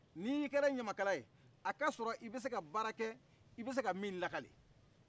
ni kɛra ɲamakalaye a k' a sɔrɔ i bɛ se ka baarakɛ i bɛ se ka min lakale